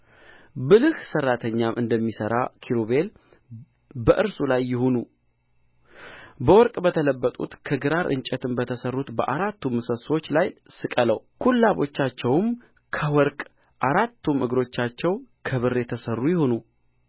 ብልህ ሠራተኛ እንደሚሠራ ኪሩቤል በእርሱ ላይ ይሁኑ በወርቅ በተለበጡት ከግራር እንጨትም በተሠሩት በአራቱ ምሰሶች ላይ ስቀለው ኩላቦቻቸውም ከወርቅ አራቱም እግሮቻቸው ከብር የተሠሩ ይሁኑ